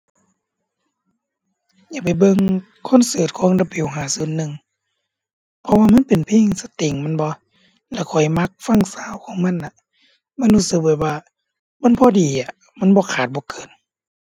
อยากไปเบิ่งคอนเสิร์ตของ W501 เพราะว่ามันเป็นเพลงสตริงแม่นบ่ แล้วข้อยมักฟังซาวด์ของมันน่ะ มันรู้สึกแบบว่ามันพอดีอะ มันบ่ขาดบ่เกิน